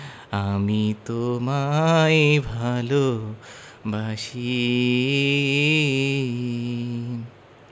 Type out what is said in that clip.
আমি তোমায় ভালবাসি